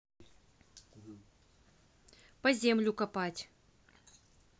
по землю копать